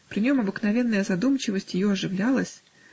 При нем обыкновенная задумчивость ее оживлялась.